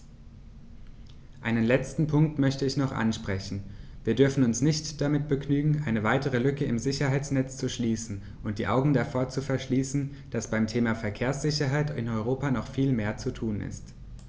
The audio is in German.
Einen letzten Punkt möchte ich noch ansprechen: Wir dürfen uns nicht damit begnügen, eine weitere Lücke im Sicherheitsnetz zu schließen und die Augen davor zu verschließen, dass beim Thema Verkehrssicherheit in Europa noch viel mehr zu tun ist.